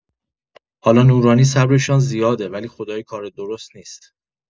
حالا نورانی صبرشان زیاده ولی خدایی کار درست نیست